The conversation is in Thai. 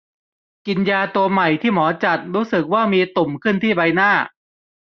กินยาตัวใหม่ที่หมอจัดรู้สึกว่ามีตุ่มขึ้นที่ใบหน้า